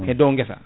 heddo guessa